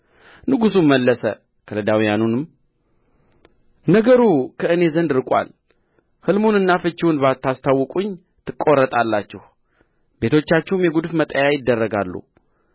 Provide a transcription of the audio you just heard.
ንጉሡም መለሰ ከለዳውያኑንም ነገሩ ከእኔ ዘንድ ርቆአል ሕልሙንና ፍቺውን ባታስታውቁኝ ትቈረጣላችሁ ቤቶቻችሁም የጕድፍ መጣያ ይደረጋሉ